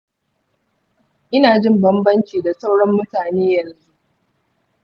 ina jin bambanci da sauran mutane yanzu.